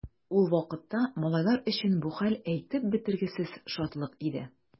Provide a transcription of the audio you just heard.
Ул вакытта малайлар өчен бу хәл әйтеп бетергесез шатлык иде.